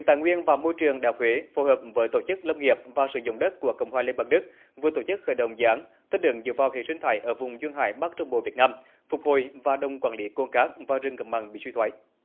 tài nguyên và môi trường đại học huế phối hợp với tổ chức lâm nghiệp và sử dụng đất của cộng hòa liên bang đức vừa tổ chức khởi động dẫn đường dựa vào hệ sinh thái ở vùng duyên hải bắc trung bộ việt nam phục hồi và đồng quản lý của các và rừng ngập mặn bị suy thoái